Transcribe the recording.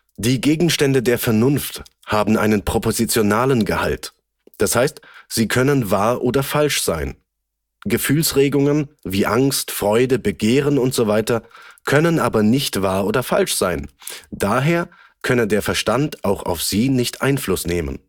Die Gegenstände der Vernunft haben einen propositionalen Gehalt, d.h. sie können wahr oder falsch sein. Gefühlsregungen, wie Angst, Freude, Begehren usw., können aber nicht wahr oder falsch sein, daher könne der Verstand auch auf sie nicht Einfluss nehmen